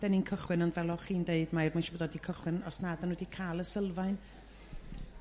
dyn ni'n cychwyn yn fel o'ch chi'n d'eud mae mae siwr o fod 'di cychwyn os nad 'dyn nhw 'di ca'l y sylfaen.